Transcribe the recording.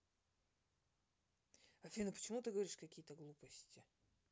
афина почему ты говоришь какие то глупости